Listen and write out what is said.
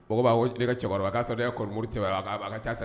Mɔgɔw b'a fɔ ne ka cɛkɔrɔba k'a sɔrɔ e kɔrɔ ni Mori san caman ye